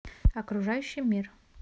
окружающий мир